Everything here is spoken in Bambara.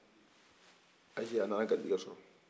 ayise a nana garijɛgɛ sɔrɔ